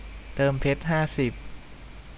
เติมเพชรห้าสิบ